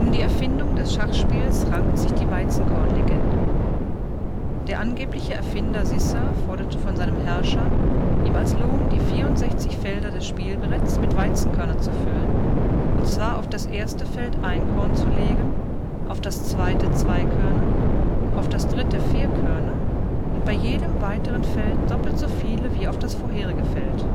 die Erfindung des Schachspiels rankt sich die „ Weizenkornlegende “. Der angebliche Erfinder Sissa forderte von seinem Herrscher, ihm als Lohn die 64 Felder des Spielbretts mit Weizenkörnern zu füllen, und zwar auf das erste Feld ein Korn zu legen, auf das zweite zwei Körner, auf das dritte vier Körner und bei jedem weiteren Feld doppelt so viele wie auf das vorherige Feld